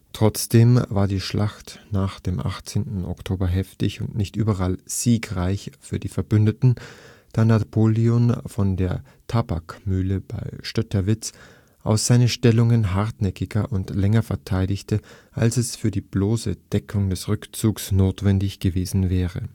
Trotzdem war die Schlacht auch am 18. Oktober heftig und nicht überall siegreich für die Verbündeten, da Napoleon von der Tabaksmühle bei Stötteritz aus seine Stellungen hartnäckiger und länger verteidigte, als es für die bloße Deckung des Rückzugs notwendig gewesen wäre